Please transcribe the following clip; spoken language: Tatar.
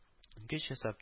Геч ясап